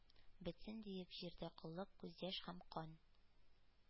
«бетсен,— диеп,— җирдә коллык, күз-яшь һәм кан!»